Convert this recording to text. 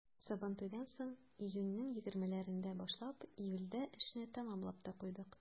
Сабантуйдан соң, июньнең 20-ләрендә башлап, июльдә эшне тәмамлап та куйдык.